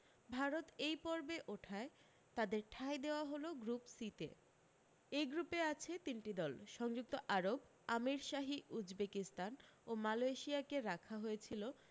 ভারত এই পর্বে ওঠায় তাদের ঠাঁই দেওয়া হল গ্রুপ সিতে এই গ্রুপে আছে তিনটি দল সংযুক্ত আরব আমীরশাহী উজবেকিস্তান ও মালয়েশিয়াকে রাখা হয়েছিলো